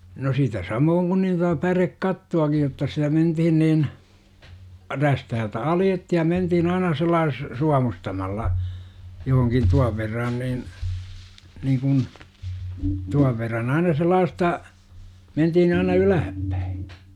no sitä samoin kuin niin tuota pärekattoakin jotta sitä mentiin niin räystäältä aloitettiin ja mentiin aina sillä tavalla suomustamalla johonkin tuon verran niin niin kuin tuon verran aina sellaista mentiin aina ylöspäin